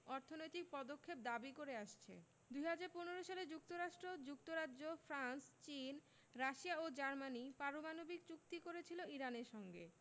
অর্থনৈতিক পদক্ষেপ দাবি করে আসছে ২০১৫ সালে যুক্তরাষ্ট্র যুক্তরাজ্য ফ্রান্স চীন রাশিয়া ও জার্মানি পারমাণবিক চুক্তি করেছিল ইরানের সঙ্গে